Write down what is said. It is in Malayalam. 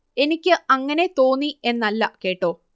എനിക്ക് അങ്ങനെ തോന്നി എന്നല്ല കേട്ടോ